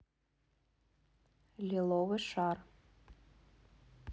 лиловый шар